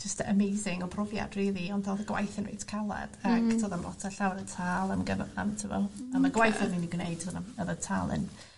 jyst amazing o brofiad rili ond o'dd y gwaith yn reit calad... Hmm. ...ac do'dd o'm lot o llawer o tâl am gyf- am t'bo' am y gwaith o'n ni'n i gneud t'bo' o- o'dd y tâl yn